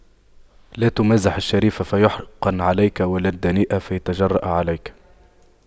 لا تمازح الشريف فيحنق عليك ولا الدنيء فيتجرأ عليك